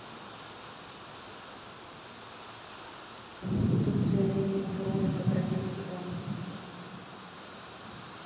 конституция ремейк ролика про детский дом